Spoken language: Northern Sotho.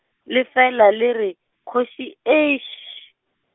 le fela le re, kgoši eeiši.